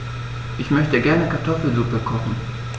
Ich möchte gerne Kartoffelsuppe kochen.